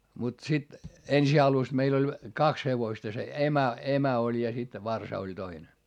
mutta sitten ensin alussa meillä oli kaksi hevosta se emä emä oli ja sitten varsa oli toinen